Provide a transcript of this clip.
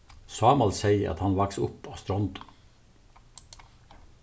sámal segði at hann vaks upp á strondum